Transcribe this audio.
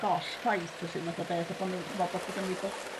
goll chwaith felly math a beth a bo' n'w chmbo' bo' gyno fi